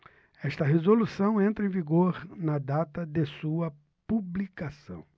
esta resolução entra em vigor na data de sua publicação